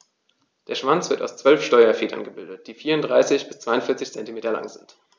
Der Schwanz wird aus 12 Steuerfedern gebildet, die 34 bis 42 cm lang sind.